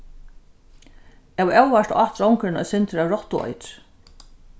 av óvart át drongurin eitt sindur av rottueitri